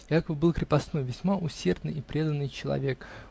Яков был крепостной, весьма усердный и преданный человек